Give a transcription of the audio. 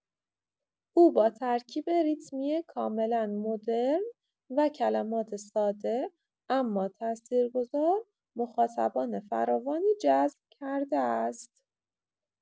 او با ترکیب ریتمی کاملا مدرن و کلمات ساده اما تاثیرگذار، مخاطبان فراوانی جذب کرده است.